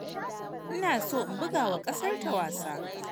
"Ina so in buga wa kasarta wasa.